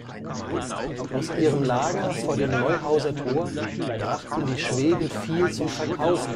„ Aus ihrem Lager vor dem Neuhauser Tor brachten die Schweden viel zum Verkauf